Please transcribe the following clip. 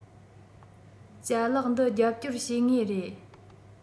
ཅ ལག འདི རྒྱབ སྐྱོར བྱེད ངེས རེད